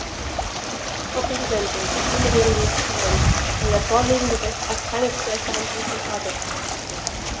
Frau Präsidentin, ich stimme gegen dieses Dokument, weil der vorliegende Rechtsakt keine Gleichbehandlung von Fahrgästen garantiert.